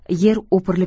yer o'pirilib